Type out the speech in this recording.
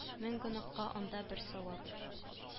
Мең гонаһка анда бер савап